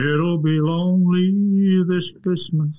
It'll be lonely this Christmas.